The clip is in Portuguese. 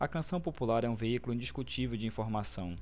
a canção popular é um veículo indiscutível de informação